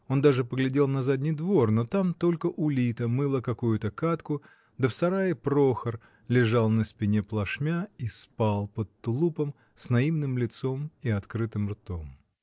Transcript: Он даже поглядел на задний двор, но там только Улита мыла какую-то кадку, да в сарае Прохор лежал на спине плашмя и спал под тулупом, с наивным лицом и открытым ртом.